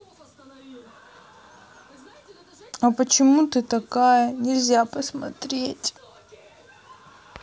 а почему ты такая нельзя посмотреть